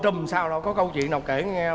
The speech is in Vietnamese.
trùm sao đâu có câu chuyện nào kể nghe không